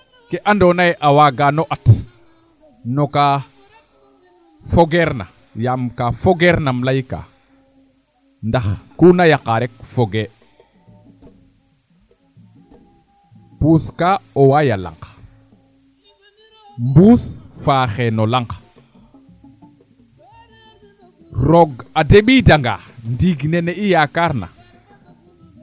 ke ando anye a waaga no at noka fo geer na yaam ka fogeer na im leykaa ndax kuuna yaqa rek fogee puus ka owey a laŋmbuus faaxe no laŋ rooga dembida nga ndiing nene i yakaarna